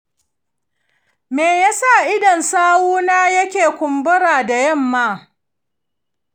me yasa idon sawuna yake kumbura da yamma?